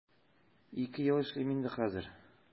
Ике ел эшлим инде хәзер.